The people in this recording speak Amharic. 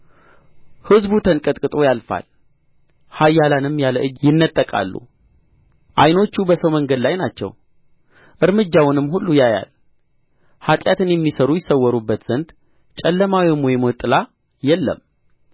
ሕዝቡ ተንቀጥቅጦ ያልፋል ኃያላንም ያለ እጅ ይነጠቃሉ ዓይኖቹ በሰው መንገድ ላይ ናቸው እርምጃውንም ሁሉ ያያል ኃጢአትን የሚሠሩ ይሰወሩበት ዘንድ ጨለማ ወይም የሞት ጥላ የለም